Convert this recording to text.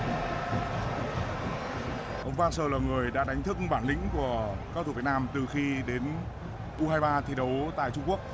ông pác hang sơ là người đã đánh thức bản lĩnh của các cầu thủ việt nam từ khi đến u hai ba thi đấu tại trung quốc